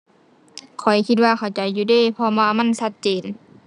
ข้อยคิดว่าเข้าใจอยู่เดะ เพราะว่ามันชัดเจน